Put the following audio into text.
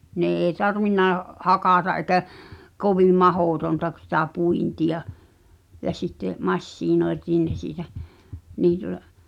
ne ei tarvinnut hakata eikä kovin mahdotonta - sitä puintia ja sitten masinointiin ne siitä niin tuota